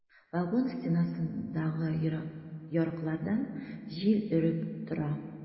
Вагон стенасындагы ярыклардан җил өреп тора.